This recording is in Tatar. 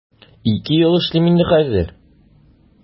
Ике ел эшлим инде хәзер.